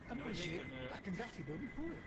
Yn bwysig, ac yn gallu bod yn hwyl.